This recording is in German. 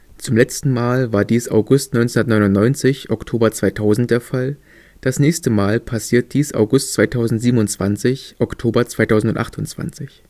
Zum letzten Mal war dies August 1999 / Oktober 2000 der Fall; das nächste Mal passiert dies August 2027/Oktober 2028